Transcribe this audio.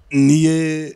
Nin ye